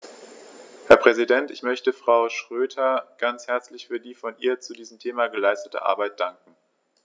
Herr Präsident, ich möchte Frau Schroedter ganz herzlich für die von ihr zu diesem Thema geleistete Arbeit danken.